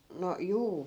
no juu